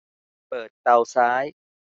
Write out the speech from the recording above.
เปิดเตาซ้าย